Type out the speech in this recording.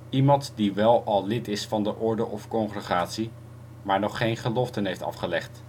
iemand die wel al lid is van de orde of congregatie, maar nog geen geloften heeft afgelegd